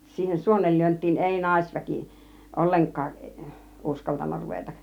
siihen suonenlyöntiin ei naisväki ollenkaan uskaltanut ruveta